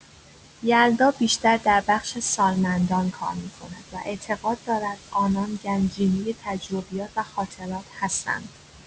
یلدا بیشتر در بخش سالمندان کار می‌کند و اعتقاد دارد آنان گنجینه تجربیات و خاطرات هستند.